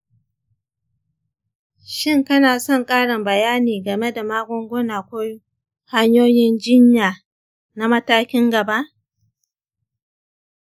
shin kana son ƙarin bayani game da magunguna ko hanyoyin jinya na matakin gaba?